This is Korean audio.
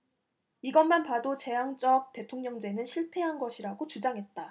이것만 봐도 제왕적 대통령제는 실패한 것이라고 주장했다